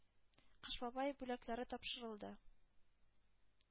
Кыш бабай бүләкләре тапшырылды.